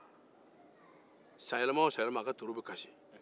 a ka ntoriw be kasi sanyɛlɛma o sanyɛlɛma